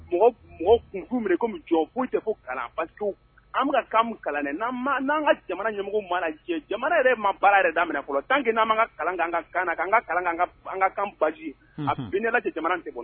Mɔgɔ kun b'u minɛ kɔmi jɔn, foyi tɛ fɔ kalan , Parce que ani bɛna kan min kalan, n'an ka jamana ɲɛmɔgɔ , mana jamana yɛrɛ ma baara yɛrɛ daminɛ fɔlɔ tant que n'an m'an ka kalan kɛ an ka kan ka, n'an m'an ka kalan kɛ an ka kan base_ wallahi _jamana inn tɛ bɔ nɔgɔ la.